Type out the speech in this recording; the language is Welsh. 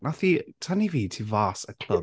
Wnaeth hi tynnu fi tu fas y clwb.